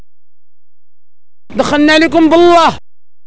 دخلنا لكم بالله